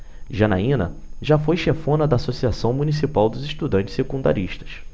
janaina foi chefona da ames associação municipal dos estudantes secundaristas